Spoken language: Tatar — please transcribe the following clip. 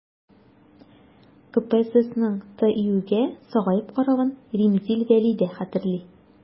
КПССның ТИҮгә сагаеп каравын Римзил Вәли дә хәтерли.